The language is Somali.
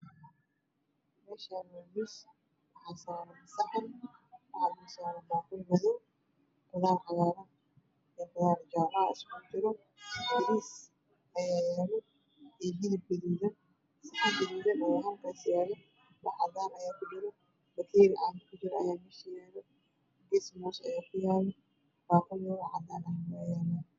Meeshaan waa miis waxaa saaran saxan waxaa dulsaaran baaquli madow falaawar cagaaran iyo falaawar jaale ah. Bariis ayaa yaalo iyo hilib gaduudan. Saxan gaduudan ayaa halkaas yaalo wax cadaan ah ayaa kujiro bakeeri caag kujiro ayaa yaalo gees moos ayaa ka yaala iyo baaquli cadaan ah.